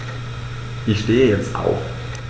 Ich stehe jetzt auf.